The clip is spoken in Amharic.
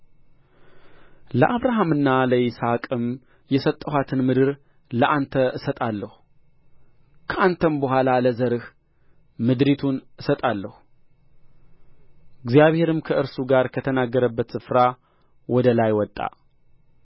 ለአብርሃምና ለይስሐቅም የሰጠኋትን ምድር ለአንተ እሰጣለሁ ከአንተም በኋላ ለዘርህ ምድሪቱን እሰጣለሁ እግዚአብሔርም ከእርሱ ጋር ከተነጋገረበት ስፍራ ወደ ላይ ወጣ